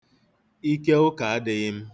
Ike ụka adịghị m.